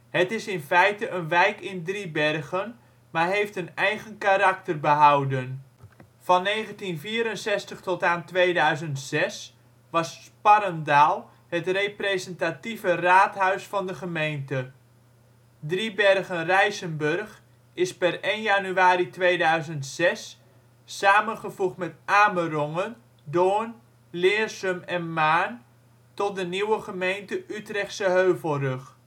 Het is in feite een wijk van Driebergen, maar heeft een eigen karakter behouden. Van 1964 tot aan 2006 was Sparrendaal (Driebergen) het representatieve raadhuis van de gemeente. Driebergen-Rijsenburg is per 1 januari 2006 samengevoegd met Amerongen, Doorn, Leersum en Maarn tot de nieuwe gemeente Utrechtse Heuvelrug